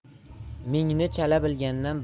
mingni chala bilgandan